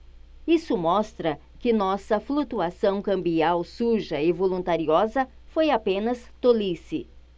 isso mostra que nossa flutuação cambial suja e voluntariosa foi apenas tolice